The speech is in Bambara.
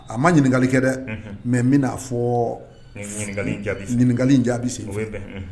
A ma ɲiniŋali kɛ dɛ unhun mais men'a fɔɔ f ɲi ɲiniŋali in jaabi sen ɲiniŋali in jaabi sen fɛ o be bɛn unhun